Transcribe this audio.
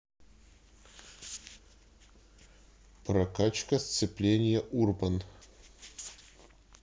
прокачка сцепления урбан